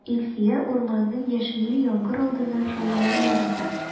Илсөя урманның яшенле яңгыр алдыннан шаулавын ярата.